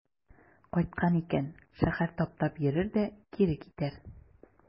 Кайткан икән, шәһәр таптап йөрер дә кире китәр.